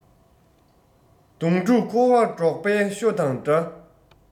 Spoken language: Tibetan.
གདོང དྲུག འཁོར བ འབྲོག པའི ཤོ དང འདྲ